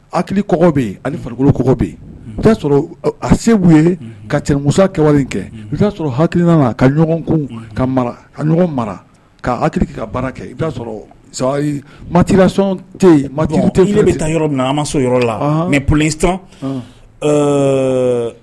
Hakili kɔ bɛ yen ali farikolo kɔ bɛ yen oa sɔrɔ a se ye ka tɛmɛ musa kɛ wale kɛ'a sɔrɔ hakiliki nana ka ɲɔgɔn ka ka ɲɔgɔn mara ka hakiliki ka baara kɛ i' sɔrɔtira tɛ bɛ yɔrɔ minna an ma so yɔrɔ la mɛ p